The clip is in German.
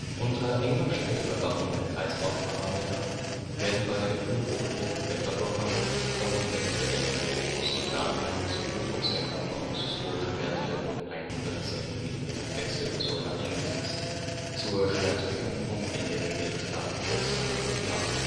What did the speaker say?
Unter engmaschiger Überwachung der Kreislaufparameter (Monitoring) werden bei Bluthochdruck Betablocker und evtl. Nitroprussid-Natrium zur Blutdrucksenkung auf systolische Werte um 110 mmHg eingesetzt, zur Schmerzbekämpfung in der Regel stark wirksame Opiate